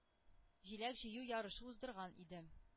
Җиләк җыю ярышы уздырган иде.